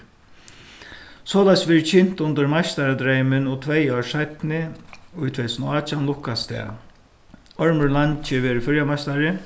soleiðis verður kynt undir meistaradreymin og tvey ár seinni í tvey túsund og átjan lukkast tað ormurin langi verður føroyameistari